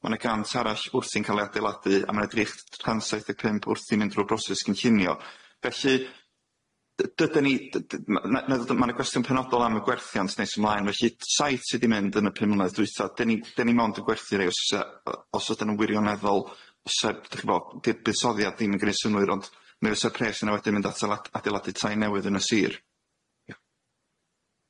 Ma' na gant arall wrthi'n ca'l ei adeiladu a ma' na dri'ch chan saith deg pump wrthi'n mynd drw'r broses gynllunio felly, d- dydan ni d- d- ma' na na dd- ma' na gwestiwn penodol am y gwerthiant nes ymlaen felly saith sy di mynd yn y pum mlynedd dwytha dyn ni dyn ni mond yn gwerthu rei os fysa o- os o'dd e'n yn wirioneddol, fysa'r d'ch'bo' dy- buddsoddiad ddim yn gneud synnwyr ond mi fysa'r pres yna wedyn mynd atal ad- adeiladu tai newydd yn y Sir.